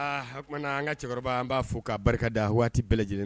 Aaa o tumaumana an ka cɛkɔrɔba an b'a fɔ k'a barika da waati bɛɛ lajɛlen